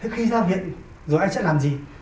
khi ra viện rồi anh sẽ làm gì